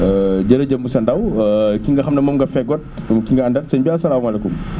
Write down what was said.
jërëjëf monsieur Ndao ki nga xam ne moom nga fegool ki nga àndal sëñ bi asalaamaaleykum